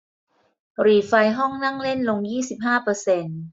หรี่ไฟห้องนั่งเล่นลงยี่สิบห้าเปอร์เซ็นต์